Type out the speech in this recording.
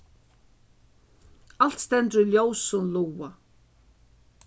alt stendur í ljósum loga